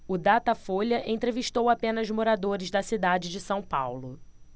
o datafolha entrevistou apenas moradores da cidade de são paulo